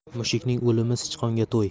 mushukning o'limi sichqonga to'y